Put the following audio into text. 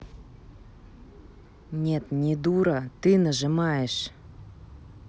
нет не дура ты нажимаешь